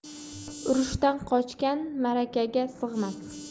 urushdan qochgan ma'rakaga sig'mas